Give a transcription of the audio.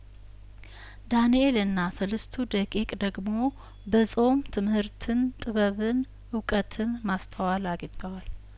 ዳንኤልና ሰለስቱ ደቂቅ ደግሞ በጾም ትምህርትን ጥበብን እውቀትን ማስተዋል አግኝተዋል